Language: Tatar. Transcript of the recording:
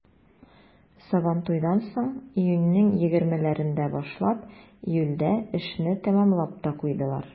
Сабантуйдан соң, июньнең 20-ләрендә башлап, июльдә эшне тәмамлап та куйдылар.